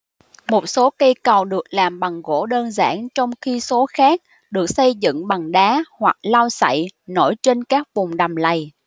một số cây cầu được làm bằng gỗ đơn giản trong khi số khác được xây dựng bằng đá hoặc lau sậy nổi trên các vùng đầm lầy